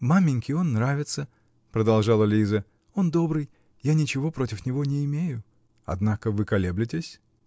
-- Маменьке он нравится, -- продолжала Лиза, -- он добрый я ничего против него не имею. -- Однако вы колеблетесь?